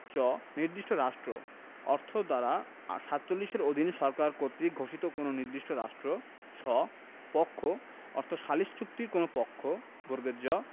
চ নির্দিষ্ট রাষ্ট্র অর্থ ধারা ৪৭ এর অধীন সরকার কর্তৃক ঘোষিত কোন নির্দিষ্ট রাষ্ট্র ছ পক্ষ অর্থ সালিস চুক্তির কোন পক্ষ জ